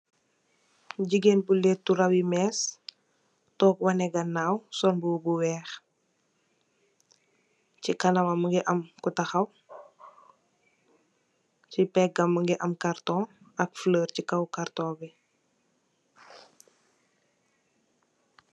Jigéen bu lettu rawi mees, toog wane ganaw, sol mbuba bu weex. Fi canamam mungi am ku taxaw, ci pegam mungi am kartong ak fulor ci kaw karton bi.